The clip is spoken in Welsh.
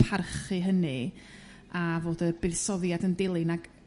parchu hynny, a fod y buddsoddiad yn dilyn ag